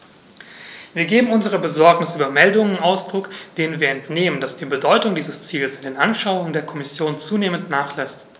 Wir geben unserer Besorgnis über Meldungen Ausdruck, denen wir entnehmen, dass die Bedeutung dieses Ziels in den Anschauungen der Kommission zunehmend nachlässt.